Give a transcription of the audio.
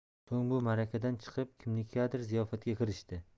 so'ng bu ma'raka dan chiqib kimnikigadir ziyofatga kirishdi